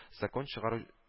Закон чыгару